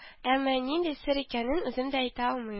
Әмма нинди сер икәнен үзем дә әйтә алмыйм